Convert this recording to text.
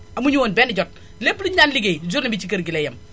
amuñu woon benn jot lépp lu ñu daan liggéey journée bi ci kër gi lay yam